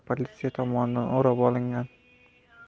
politsiya tomonidan o'rab olingan